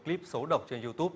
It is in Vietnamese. lip xấu độc trên iu tút